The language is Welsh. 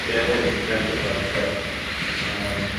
Ie ie. Ar wicipedia t'wod so yym